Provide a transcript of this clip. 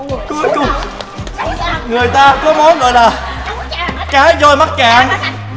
cuối cùng người ta có món gọi là cá doi mắc cạn